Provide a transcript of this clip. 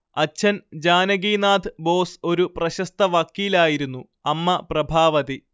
അച്ഛൻ ജാനകിനാഥ് ബോസ് ഒരു പ്രശസ്ത വക്കീലായിരുന്നു അമ്മ പ്രഭാവതി